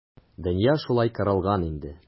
Дөнья шулай корылган инде.